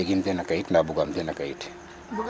Xa a jegiim teen a kayit ndaa bugaam teen a kayit.